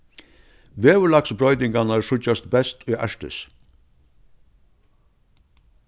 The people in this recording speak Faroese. veðurlagsbroytingarnar síggjast best í arktis